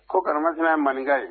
Kokaramafin ye maninka ye